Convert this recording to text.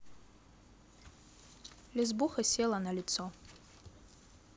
лезбуха села на лицо